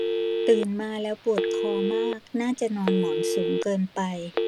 ตื่นมาแล้วปวดคอมากน่าจะนอนหมอนสูงเกินไป